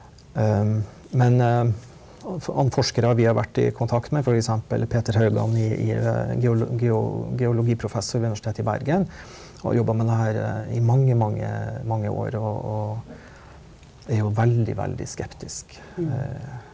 men alle forskere vi har vært i kontakt med f.eks. Peter Høyland i i geologiprofessor ved Universitetet i Bergen har jobba med det her i mange mange mange år og er jo veldig veldig skeptisk .